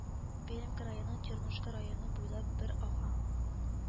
Пермь краеның Чернушка районы буйлап бер ага